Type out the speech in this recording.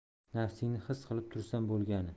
nafasingni his qilib tursam bo'lgani